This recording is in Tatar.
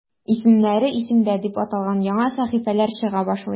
"исемнәре – исемдә" дип аталган яңа сәхифәләр чыга башлый.